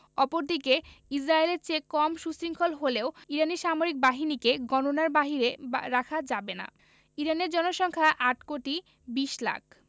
অপরদিকে ইসরায়েলের চেয়ে কম সুশৃঙ্খল হলেও ইরানি সামরিক বাহিনীকে গণনার বাইরে রাখা যাবে না ইরানের জনসংখ্যা ৮ কোটি ২০ লাখ